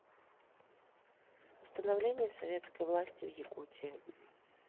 установление советской власти в якутии